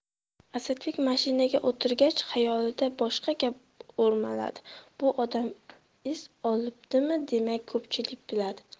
asadbek mashinaga o'tirgach xayolida boshqa gap o'rmaladi bu odam is olibdimi demak ko'pchilik biladi